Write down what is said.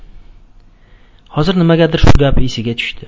xozir nimagadir shu gap esiga tushdi